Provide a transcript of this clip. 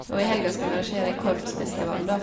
Og i helga skal vi arrangere korpsfestival, da.